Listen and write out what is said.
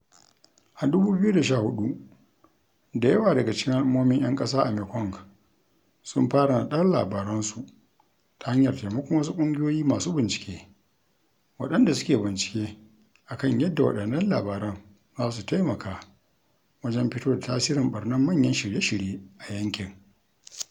A 2014, da yawa daga cikin al'ummomin 'yan ƙasa a Mekong sun fara naɗar labaransu ta hanyar taimakon wasu ƙungiyoyi masu bincike waɗanda suke bincike a kan yadda waɗannan labaran za su taimaka wajen fito da tasirin ɓarnar manyan shirye-shirye a yankin.